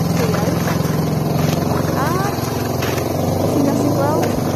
Y caeau. A, 'dach chi'n gallu gweld